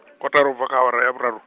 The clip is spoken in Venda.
kotara u bva kha awara ya vhuraru?